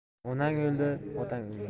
onang o'ldi otang o'ldi